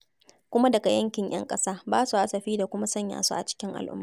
Kuma, daga yankin 'yan ƙasa, ba su hasafi da kuma sanya su a cikin al'umma.